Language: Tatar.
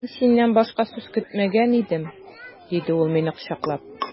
Мин синнән башка сүз көтмәгән идем, диде ул мине кочаклап.